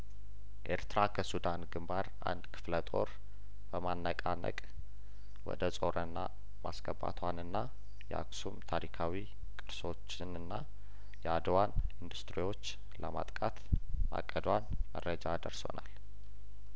ኤርትራ ከሱዳን ግንባር አንድ ክፍለጦር በማነቃነቅ ወደ ጾረና ማስገባቷንና የአክሱም ታሪካዊ ቅርሶችንና የአድዋን ኢንዲስትሪዎች ለማጥቃት ማቀዷን መረጃ ደርሶናል